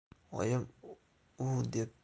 oyim u deb ko'rdi